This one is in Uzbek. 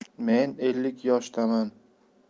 men ellik yoshdaman